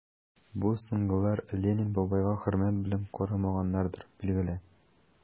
Бу соңгылар Ленин бабайга хөрмәт белән карамаганнардыр, билгеле...